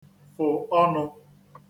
-fụ̀ ọnụ̄